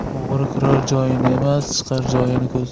o'g'ri kirar joyini emas qochar joyini ko'zlar